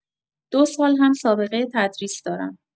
۲ سال هم سابقه تدریس دارم.